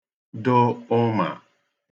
dụ ụmà